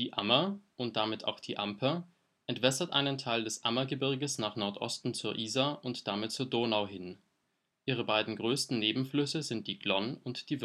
Ammer, und damit auch die Amper, entwässert einen Teil des Ammergebirges nach Nordosten zur Isar und damit zur Donau hin. Ihre beiden größten Nebenflüsse sind die Glonn und die